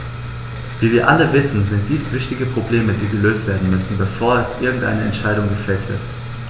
Wie wir alle wissen, sind dies wichtige Probleme, die gelöst werden müssen, bevor irgendeine Entscheidung gefällt wird.